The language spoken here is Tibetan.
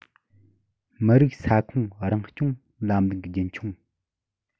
མི རིགས ས ཁོངས རང སྐྱོང ལམ ལུགས རྒྱུན འཁྱོངས